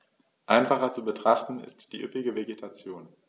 Einfacher zu betrachten ist die üppige Vegetation.